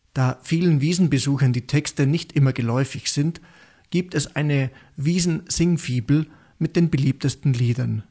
Da vielen Wiesnbesuchern die Texte nicht immer geläufig sind, gibt es eine Wiesn-Singfibel mit den beliebtesten Liedern